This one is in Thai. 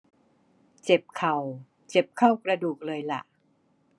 เจ็บเข่าเจ็บเข้ากระดูกเลยหล่ะ